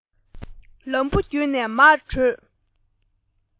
ལམ བུ བརྒྱུད ནས མར བྲོས